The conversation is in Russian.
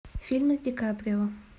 фильмы с ди каприо